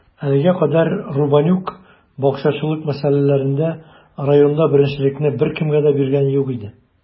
Әлегә кадәр Рубанюк бакчачылык мәсьәләләрендә районда беренчелекне беркемгә дә биргәне юк иде.